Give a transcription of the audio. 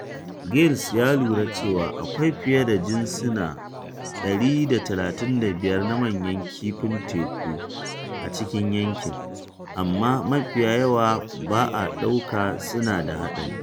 Giles ya lura cewa akwai fiye da jinsuna 135 na manyan kifin teku a cikin yankin, amma mafi yawa ba a ɗauka suna da haɗari.